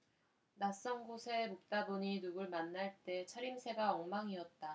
낯선 곳에 묵다 보니 누굴 만날 때 차림새가 엉망이었다